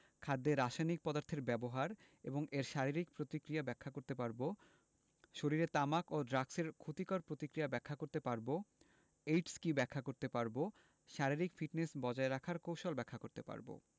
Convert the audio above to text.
⦁ খাদ্যে রাসায়নিক পদার্থের ব্যবহার এবং এর শারীরিক প্রতিক্রিয়া বলতে পারব ⦁ শরীরে তামাক ও ড্রাগসের ক্ষতিকর প্রতিক্রিয়া ব্যাখ্যা করতে পারব ⦁ এইডস কী ব্যাখ্যা করতে পারব ⦁ শারীরিক ফিটনেস বজায় রাখার কৌশল ব্যাখ্যা করতে পারব